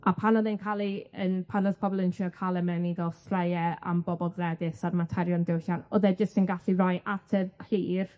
A pan o'dd e'n ca'l ei yn pan o'dd pobol yn trio ca'l e mewn i fel ffraee am bobol fregus a'r materion diwylliant, o'dd e jyst yn gallu roi ateb clir